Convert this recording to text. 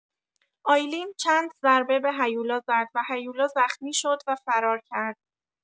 آیلین چند ضربه به هیولا زد و هیولا زخمی شد و فرار کرد.